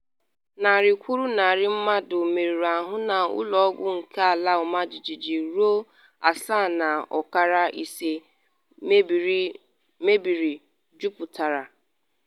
Narị kwụrụ narị mmadụ merụrụ ahụ na ụlọ ọgwụ nke ala ọmajiji ruru 7.5 mebiri, juputara.